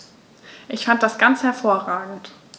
Ich fand das ganz hervorragend.